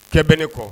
Cɛ bɛ ne kɔ